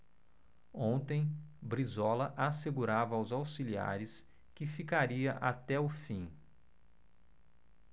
ontem brizola assegurava aos auxiliares que ficaria até o fim